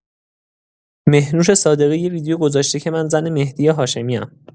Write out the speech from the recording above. مهنوش صادقی یه ویدیو گذاشته که من زن مهدی هاشمی‌ام.